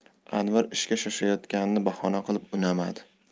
anvar ishga shoshayotganini bahona qilib unamadi